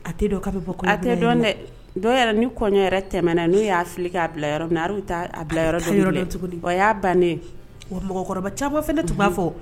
A tɛ don bɛ bɔ dɛ dɔw yɛrɛ ni kɔɲɔ yɛrɛ tɛmɛna n'o y'a fili k'a bila yɔrɔ na bila yɔrɔ tuguni y'a bannen o mɔgɔkɔrɔba caman fana tun b'a fɔ